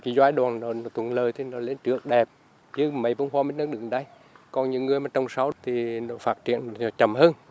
giai đoạn đầu thuận lợi thì nó lên trước đẹp như mấy bông hoa minh đang đứng đây còn những người mà trong sáu tiền nước phát triển chậm hơn